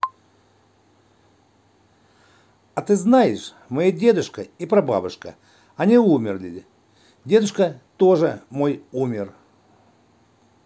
а ты знаешь мои прадедушка и прабабушка они умерли дедушка тоже мой умер